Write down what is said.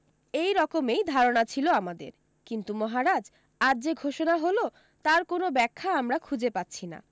এইরকমেই ধারণা ছিল আমাদের কিন্তু মহারাজ আজ যে ঘোষণা হল তার কোনো ব্যাখ্যা আমরা খুঁজে পাচ্ছি না